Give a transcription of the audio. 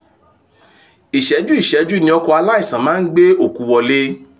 "Ìṣẹ́jú-ìṣẹ́jú ni ọkọ̀ aláísàn máa ń gbé okú wọlé..